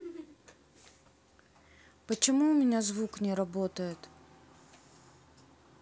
почему у меня звук не работает